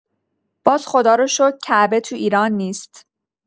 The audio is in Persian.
باز خدا رو شکر کعبه تو ایران نیست.